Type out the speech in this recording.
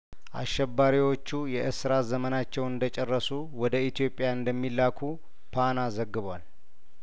አሸባሪዎቹ የእስራት ዘመናቸውን እንደጨረሱ ወደ ኢትዮጵያ እንደሚላኩ ፓና ዘግቧል